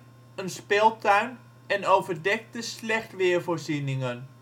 speeltuin en overdekte slecht-weervoorzieningen